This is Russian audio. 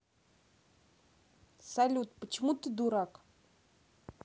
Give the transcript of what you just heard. салют почему ты дурак